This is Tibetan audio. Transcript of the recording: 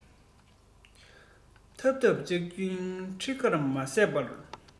འཐབ འཐབ ལྕག རྒྱུན ཁྱི ཁར མ ཟད པར